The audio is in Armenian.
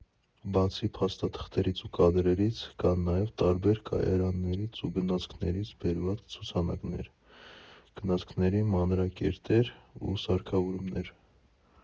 Բացի փաստաղթերից ու կադրերից, կան նաև տարբեր կայարաններից ու գնացքներից բերված ցուցանակներ, գնացնքերի մանրակերտեր ու սարքավորումներ։